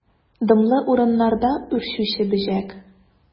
Дымлы урыннарда үрчүче бөҗәк.